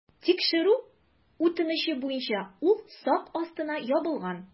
Тикшерү үтенече буенча ул сак астына ябылган.